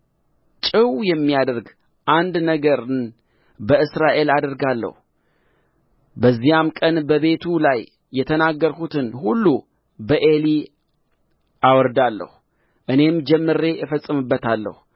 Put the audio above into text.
ጭው የሚያደርግ አንድ ነገርን በእስራኤል አደርጋለሁ በዚያም ቀን በቤቱ ላይ የተናገርሁትን ሁሉ በዔሊ አወርዳለሁ እኔም ጀምሬ እፈጽምበታለሁ